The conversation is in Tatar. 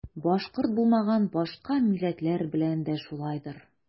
Башкорт булмаган башка милләтләр белән дә шулайдыр.